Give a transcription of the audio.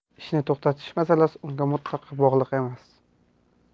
ishni to'tatish masalasi unga mutlaqo bog'liq emas